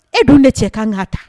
E dun de cɛ ka n kaa ta